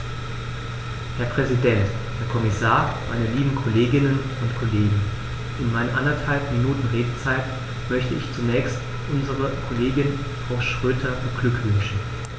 Herr Präsident, Herr Kommissar, meine lieben Kolleginnen und Kollegen, in meinen anderthalb Minuten Redezeit möchte ich zunächst unsere Kollegin Frau Schroedter beglückwünschen.